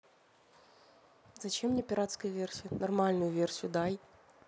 зачем мне пиратская версия нормальную версию дай